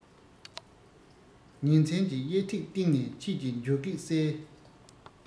ཉིན མཚན གྱི དབྱེ ཐིག སྟེང ནས ཁྱེད ཀྱི འཇོ སྒེག གསལ